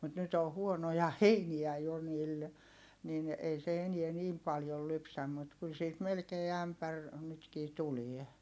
mutta nyt on huonoja heiniä jo niillä niin ei se enää niin paljon lypsä mutta kyllä siitä melkein ämpäri nytkin tulee